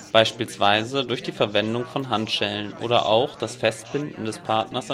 beispielsweise durch die Verwendung von Handschellen, oder auch das Festbinden des Partners